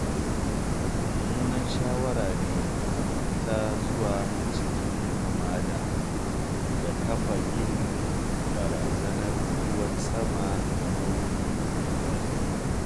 Mummunan shawara ne a fita zuwa cikin hamada da kafa ganin barazanar ruwan saman na wuri mai zafin.